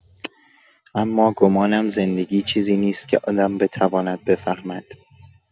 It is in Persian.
اما گمانم زندگی چیزی نیست که آدم بتواند بفهمد.